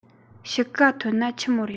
དཔྱིད ཀ ཐོན ན ཆི མོ རེད